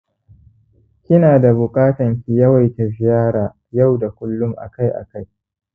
kina da buƙatan ki yawaita ziyara yau da kullum akai akai